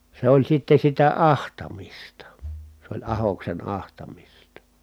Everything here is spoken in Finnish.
se oli sitten sitä ahtamista se oli ahdoksen ahtamista